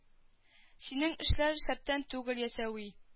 Синең эшләр шәптән түгел ясәви